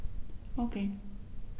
Okay.